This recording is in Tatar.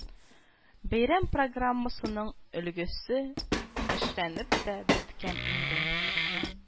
Бәйрәм программасының өлгесе эшләнеп тә беткән инде